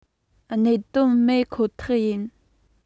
གནད དོན མེད ཁོ ཐག ཡིན